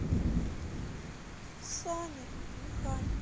саня механик